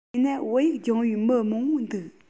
དེས ན བོད ཡིག སྦྱོང བའི མི མང པོ འདུག